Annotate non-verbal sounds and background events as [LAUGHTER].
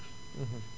[HESITATION] [HESITATION]